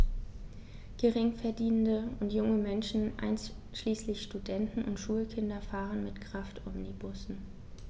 Geringverdienende und junge Menschen, einschließlich Studenten und Schulkinder, fahren mit Kraftomnibussen.